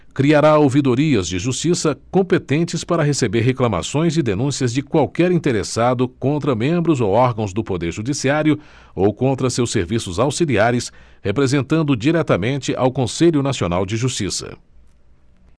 criará ouvidorias de justiça competentes para receber reclamações e denúncias de qualquer interessado contra membros ou órgãos do poder judiciário ou contra seus serviços auxiliares representando diretamente ao conselho nacional de justiça